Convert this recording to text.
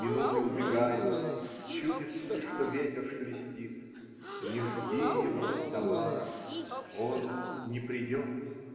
Минуты убегают, и чудится, что ветер шелестит: не жди его, Тамара, он не придет!